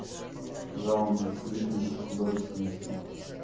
джуна целительница художественный фильм